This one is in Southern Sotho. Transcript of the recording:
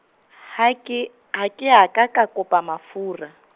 ha ke, ha ke a ka ka kopa mafura.